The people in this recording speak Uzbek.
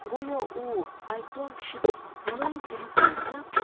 u go'yo aybdor kishidek muloyimgina kulimsirab